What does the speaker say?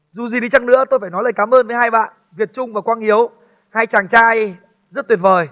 dù gì đi chăng nữa tôi phải nói lời cảm ơn với hai bạn việt trung và quang hiếu hai chàng trai rất tuyệt vời